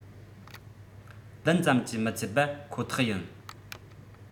བདུན ཙམ གྱིས མི ཚད པ ཁོ ཐག ཡིན